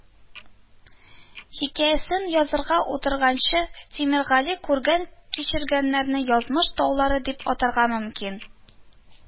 Хикәясен язарга утырганчы тимергали күргән-кичергәннәрне “язмыш таулары” дип атарга мөмкин